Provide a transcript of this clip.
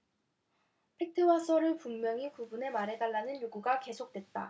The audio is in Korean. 팩트와 설을 분명히 구분해 말해 달라는 요구가 계속됐다